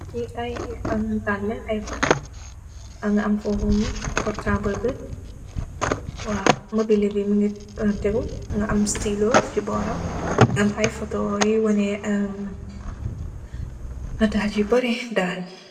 Lii aye natal la am aye photo nyun wonne aye natal you barri